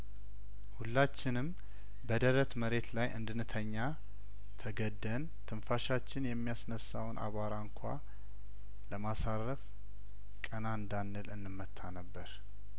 ሁላችንም በደረት መሬት ላይ እንድንተኛ ተገደን ትንፋሻችን የሚያስነሳውን አዋራ እንኳ ለማሳረፍ ቀና እንዳንል እንመታ ነበር